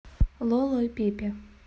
лоло и пепе